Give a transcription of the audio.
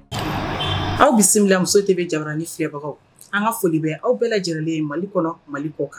Aw bisimila , Muso TV jabarani filɛbagaw , an ka foli bɛ aw bɛɛ lajɛlenlen ye mali kɔnɔ Mali kɔ kan.